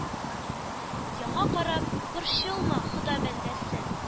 Аңа карап: “борчылма, хода бәндәсе,